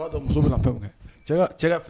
Muso fɛn